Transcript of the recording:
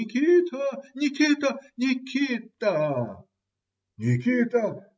"Никита, Никита, Никита!. "- Никита!